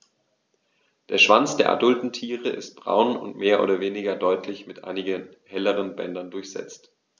Der Schwanz der adulten Tiere ist braun und mehr oder weniger deutlich mit einigen helleren Bändern durchsetzt.